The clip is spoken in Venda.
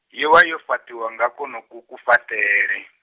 yo vha yo fhaṱiwa nga kwonoku kufhaṱele.